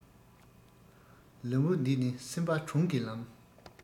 ལམ བུ འདི ནི སེམས པ དྲུང གི ལམ